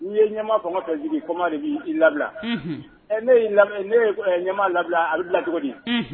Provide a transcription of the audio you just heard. Ni ye ɲɛmaa fɛn o fɛn sigi, kɔ maa de bi bila, unhun, ee ne ye ɲɛmaa labila a bɛ dilan cogo di? Unhun